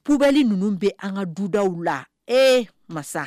Pbili ninnu bɛ an ka dudaw la ee masa